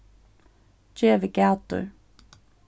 gevið gætur